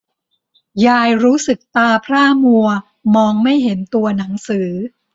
ยายรู้สึกตาพร่ามัวมองไม่เห็นตัวหนังสือ